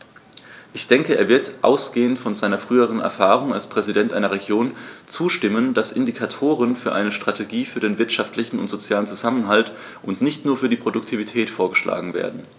Ich denke, er wird, ausgehend von seiner früheren Erfahrung als Präsident einer Region, zustimmen, dass Indikatoren und eine Strategie für den wirtschaftlichen und sozialen Zusammenhalt und nicht nur für die Produktivität vorgeschlagen werden.